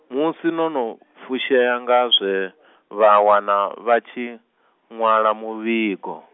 musi vho no no , fushea nga zwe , vha wana vha tshi, ṅwala muvhigo.